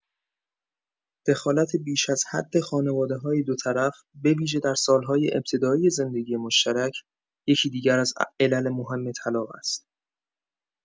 دخالت بیش از حد خانواده‌های دو طرف، به‌ویژه در سال‌های ابتدایی زندگی مشترک، یکی دیگر از علل مهم طلاق است.